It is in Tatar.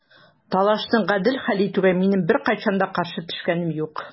Талашны гадел хәл итүгә минем беркайчан да каршы төшкәнем юк.